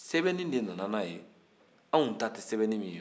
sɛbɛnni de nana n'a ye anw ta tɛ sɛbɛnni min ye